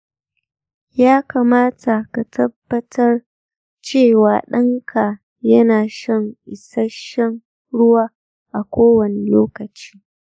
ya kamata ka tabbatar cewa ɗanka yana shan isasshen ruwa a kowane lokaci.